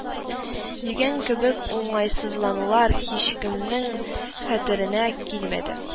" дигән кебек уңайсызланулар һичкемнең хәтеренә килмәде